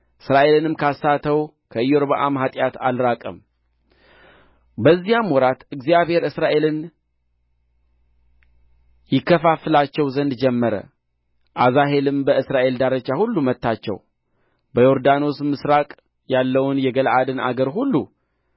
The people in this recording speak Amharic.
እስራኤልንም ካሳተው ከኢዮርብዓም ኃጢአት አልራቀም በዚያም ወራት እግዚአብሔር እስራኤልን ይከፋፍላቸው ዘንድ ጀመረ አዛሄልም በእስራኤል ዳርቻ ሁሉ መታቸው በዮርዳኖስ ምሥራቅ ያለውን የገለዓድን አገር ሁሉ